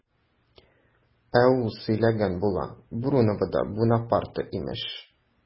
Ә ул сөйләнгән була, Бруновода Бунапарте имеш!